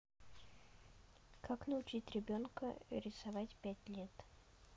как научить ребенка рисовать пять лет